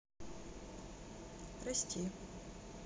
расти